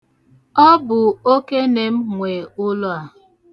Ọ bụ okene m nwe ụlọ a.